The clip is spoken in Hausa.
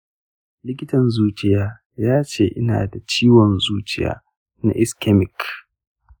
likitan zuciyan yace ina da ciwon zuciya na iskemic.